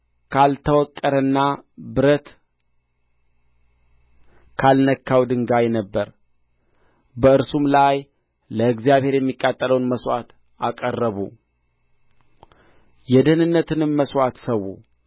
መሠዊያው ካልተወቀረና ብረት ካልነካው ድንጋይ ነበረ በእርሱም ላይ ለእግዚአብሔር የሚቃጠለውን መሥዋዕት አቀረቡ የደኅንነትንም መሥዋዕት ሠዉ